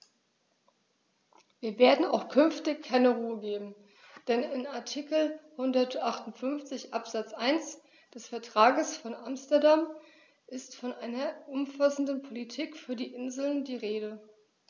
Wir werden auch künftig keine Ruhe geben, denn in Artikel 158 Absatz 1 des Vertrages von Amsterdam ist von einer umfassenden Politik für die Inseln die Rede.